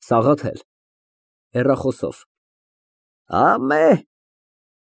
ՍԱՂԱԹԵԼ ֊ (Հեռախոսով) «Համեեե՞։